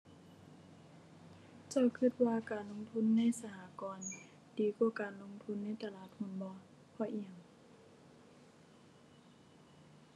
เจ้าคิดว่าการลงทุนในสหกรณ์ดีกว่าการลงทุนในตลาดหุ้นบ่ เพราะอิหยัง